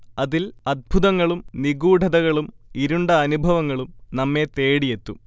അതിൽ അത്ഭുതങ്ങളും നിഗൂഢതകളും ഇരുണ്ട അനുഭവങ്ങളും നമ്മേ തേടിയെത്തും